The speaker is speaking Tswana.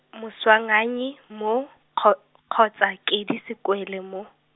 Moswanganyi, mo, kgo-, kgotsa Kedi Sekwele mo.